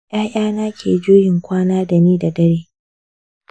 ya'yana ke juyin kwana dani da dare.